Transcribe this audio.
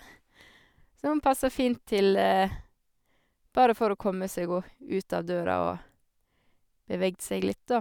Som passer fint til bare for å komme seg oh ut av døra og beveget seg litt, da.